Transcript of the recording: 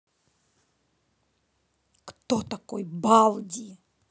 кто такой балди